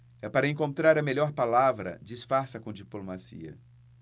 é para encontrar a melhor palavra disfarça com diplomacia